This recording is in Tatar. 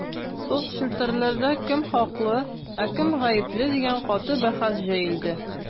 Соцчелтәрләрдә кем хаклы, ә кем гапле дигән каты бәхәс җәелде.